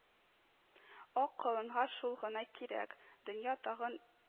Ак колынга шул гына кирәк – дөнья тагын